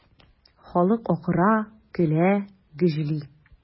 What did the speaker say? Халык акыра, көлә, гөжли.